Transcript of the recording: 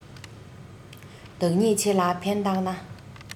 བདག ཉིད ཆེ ལ ཕན བཏགས ན